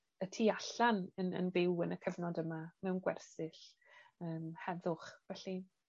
y tu allan yn yn byw yn y cyfnod yma mewn gwersyll yym heddwch, felly